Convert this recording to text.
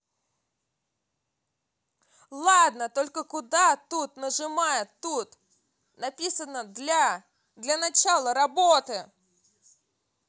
ладно только куда то нажимает тут написано для для начала работы